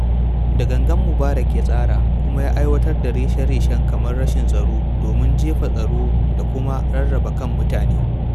Da gangan Mubarak ya tsara kuma ya aiwatar da rashe-rashen kamar rashin tsaro domin jefa tsaro da kuma rarraba kan mutanen #Jan25.